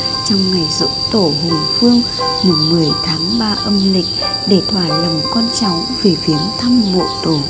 trong ngày giỗ tổ hùng vương mùng tháng âm lịch để thỏa lòng con cháu về viếng thăm mộ tổ